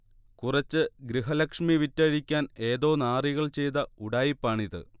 കുറച്ച് ഗൃഹലക്ഷ്മി വിറ്റഴിക്കാൻ ഏതോ നാറികൾ ചെയ്ത ഉഡായിപ്പാണിത്